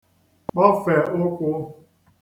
kpọfè ukwū